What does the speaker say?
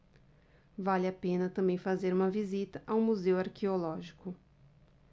vale a pena também fazer uma visita ao museu arqueológico